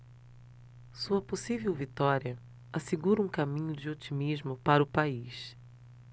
sua possível vitória assegura um caminho de otimismo para o país